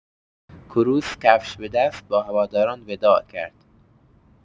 کروس کفش به دست با هواداران وداع کرد.